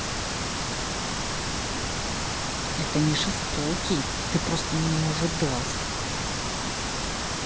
это не жестокий ты просто меня уже даст